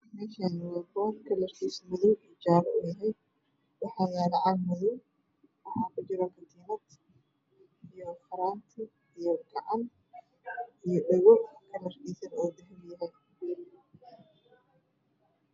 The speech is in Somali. Meshani waa hool kalarkiisu yahay jaleyahay waxaa yala caag madoow waxaa ku jira katinad iyo faranti iyo gacan iyo dhego kalarkiisa ow dahabi yahay